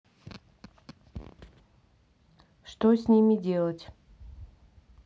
что с ними делать